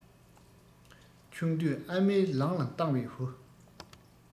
ཆུང དུས ཨ མས ལང ལ བཏང བའི བུ